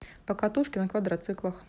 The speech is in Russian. покатушки на квадроциклах